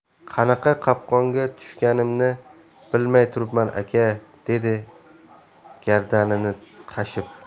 qanaqa qopqonga tushganimni bilmay turibman aka dedi gardanini qashib